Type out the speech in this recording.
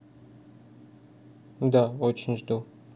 да очень жду